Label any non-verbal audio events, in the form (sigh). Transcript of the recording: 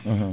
(hesitation) (hesitation)